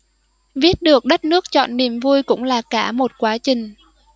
viết được đất nước trọn niềm vui cũng là cả một quá trình